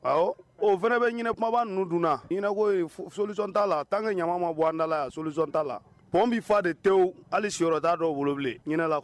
Ɔ o fana bɛ ɲɛna kumaba ninnu dunko soon taa la tan an ka ɲama ma bɔ anda la soon ta la pɔn bɛ fa de te hali si' dɔ wolobilen ɲɛna la